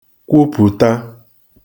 kwupụ̀ta